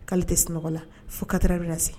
K'ale tɛ sunɔgɔ la fo 4 heures ka se